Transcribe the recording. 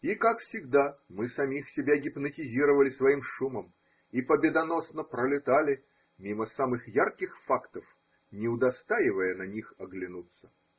И, как всегда, мы самих себя гипнотизировали своим шумом и победоносно пролетали мимо самых ярких фактов, не удостаивая на них оглянуться.